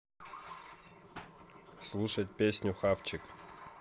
слушать песню хавчик